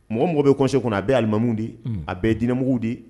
Mɔgɔ o mɔgɔ bɛ Haut conseil kɔnɔ a bɛ ye alimamuw de ye , a bɛ ye diinɛmɔgɔw de ye!